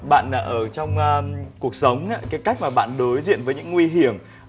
bạn đã ở trong a cuộc sống ấy cái cách mà bạn đối diện với những nguy hiểm